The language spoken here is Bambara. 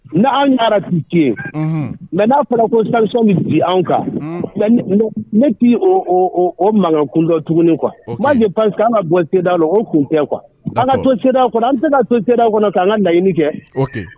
, unhun, mais n'a fɔra ko sanction bɛ bin anw kan, Unhun, mais ne ti oo mankan kun dɔn tuguni quoi, moi je pense que an ka bɔ C.E.D.E.A.O la o kun tɛ quoi an ka to C.E.D.E.A.O kɔnɔ, an bɛ se ka to C.E.D.E.A.O kɔnɔ k’an ka laɲini kɛ. Okay .